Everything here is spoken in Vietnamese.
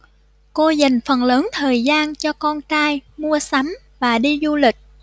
cô dành phần lớn thời gian cho con trai mua sắm và đi du lịch